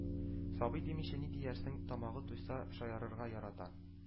Сабый димичә ни диярсең, тамагы туйса шаярырга ярата